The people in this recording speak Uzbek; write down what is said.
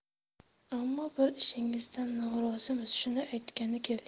ammo bir ishingizdan norozimiz shuni aytgani keldik